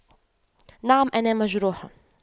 نعم انا مجروح